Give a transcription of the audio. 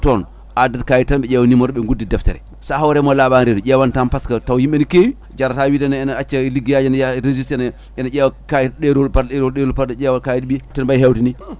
a addat kayit tan ɓe ƴewa numéro ɓe guddita deftere sa hawre mo laaɓani reedu ƴewantama par ce que tawa yimɓene kewi jarata wiide ne ne acca liggueyji ne e registre ene ene ƴewa kayit ɗeerol par ɗeerol par ɗeerol ƴewa kayit ɓiiye defte no mbayi hewde ni